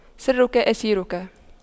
سرك أسيرك